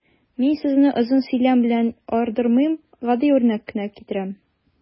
Мин сезне озын сөйләм белән ардырмыйм, гади үрнәк кенә китерәм.